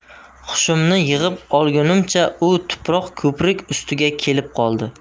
hushimni yig'ib olgunimcha u tuproq ko'prik ustiga kelib qoldi